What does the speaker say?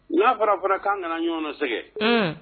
N y'a fara fara'an kana ɲɔgɔn sɛ